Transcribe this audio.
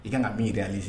I ka miirir halialise